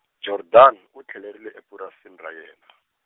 Jordaan, u tlhelerile epurasini ra yena.